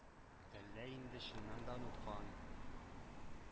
Әллә инде чыннан да оныткан,